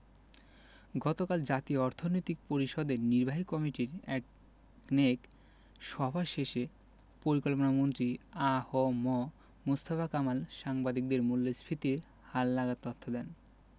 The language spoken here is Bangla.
গতকাল জাতীয় অর্থনৈতিক পরিষদের নির্বাহী কমিটির একনেক সভা শেষে পরিকল্পনামন্ত্রী আ হ ম মুস্তফা কামাল সাংবাদিকদের মূল্যস্ফীতির হালনাগাদ তথ্য দেন